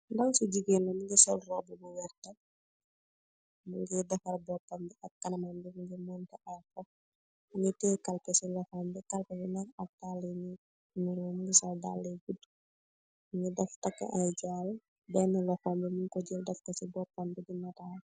Ndaw si jigeen mu ngi sal robu bu werta. Mu ngee defar boppan bi ak kanamam. Mbi ngi monte ay xef. Mu ngi teye kalpe si loxam bi. Kalpe bi nak ak dalayi ñu niroo. Mu ngi sol dala yu gudu. Mu ngi def, tak ay jaaru, been loxambi mung ko jël defko si boppam bi di naatal.